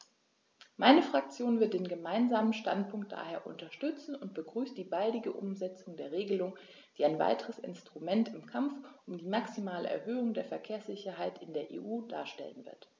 Meine Fraktion wird den Gemeinsamen Standpunkt daher unterstützen und begrüßt die baldige Umsetzung der Regelung, die ein weiteres Instrument im Kampf um die maximale Erhöhung der Verkehrssicherheit in der EU darstellen wird.